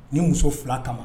Ni muso fila kama